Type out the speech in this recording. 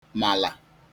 màlà